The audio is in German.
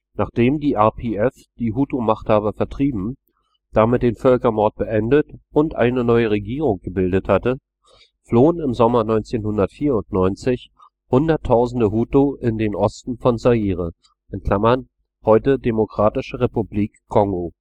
Nachdem die RPF die Hutu-Machthaber vertrieben, damit den Völkermord beendet und eine neue Regierung gebildet hatte, flohen im Sommer 1994 hunderttausende Hutu in den Osten von Zaire (heute Demokratische Republik Kongo